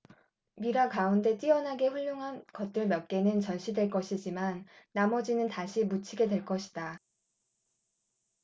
미라 가운데 뛰어나게 훌륭한 것들 몇 개는 전시될 것이지만 나머지는 다시 묻히게 될 것이다